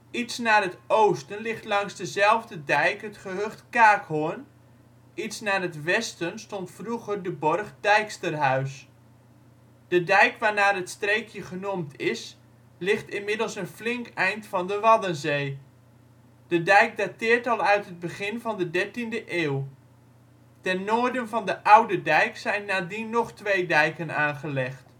Iets naar het oosten ligt langs dezelfde dijk het gehucht Kaakhorn, iets naar het westen stond vroeger de borg Dijksterhuis. De dijk waarnaar het streekje genoemd is ligt inmiddels een flink eind van de Waddenzee. De dijk dateert al uit het begin van de dertiende eeuw. Ten noorden van de oude dijk zijn nadien nog twee dijken aangelegd